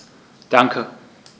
Danke.